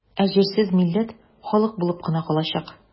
Ә җирсез милләт халык булып кына калачак.